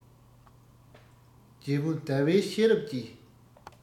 རྒྱལ བུ ཟླ བའི ཤེས རབ ཀྱིས